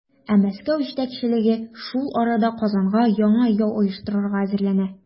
Ә Мәскәү җитәкчелеге шул арада Казанга яңа яу оештырырга әзерләнә.